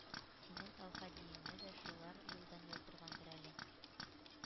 Синең әүхәдиеңне дә шулар юлдан яздыргадыр әле...